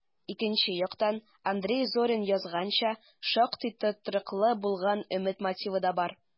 Икенче яктан, Андрей Зорин язганча, шактый тотрыклы булган өмет мотивы да бар: